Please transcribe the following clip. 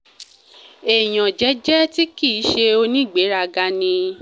”Èèyàn jẹ́jẹ́ tí kì í ṣe onígbèrágaa ni.”